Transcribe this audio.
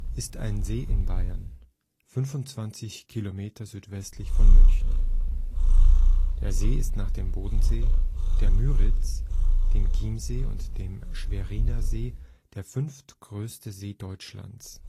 ein See in Bayern, 25 Kilometer südwestlich von München. Der See ist nach dem Bodensee, der Müritz, dem Chiemsee und dem Schweriner See der fünftgrößte See Deutschlands